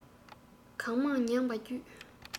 གང མང མྱངས པ བརྒྱུད